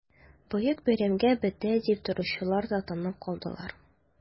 Бөек бәйрәмгә бетә дип торучылар да тынып калдылар...